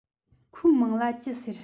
ཁོའི མིང ལ ཅི ཟེར